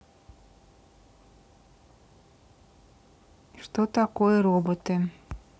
что такое роботы